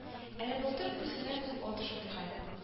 Әле былтыр көз генә булып алды шундый хәл